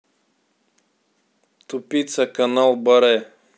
тупица канал баре